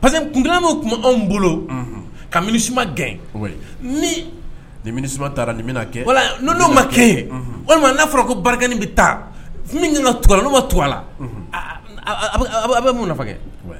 parce que kun min tun anw bolo kauma gɛn ni taara nin bɛna kɛ n'o ma kɛ walima n'a fɔra ko barikakɛin bɛ taa min ka tula'o ma tu la a bɛ mun nafa kɛ